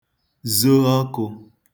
zo ọkụ̄